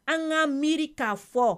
An ka miiri k'a fɔ